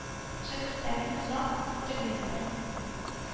Шәкертләрне озак көттермәделәр,